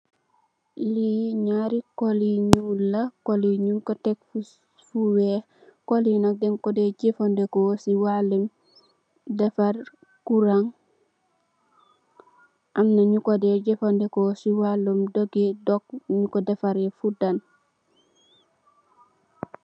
Lii ñarri kolli ñulla koliyi ñingko tek Fu wekh coloyi nak denkodeh jefandiko si walu defarr kurangamna ñukodrh jefandiko si walu defam dok ñinko defareh fudan.